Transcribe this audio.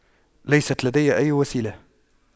ليست لدي أي وسيلة